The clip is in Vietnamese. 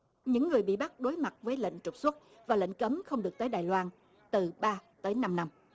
những người bị bắt đối mặt với lệnh trục xuất và lệnh cấm không được tới đài loan từ ba tới năm năm